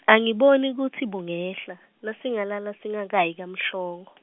angiboni kutsi bungehla nasingalala singakayi kaMhlohlo.